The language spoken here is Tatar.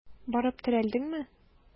Барып терәлдеңме?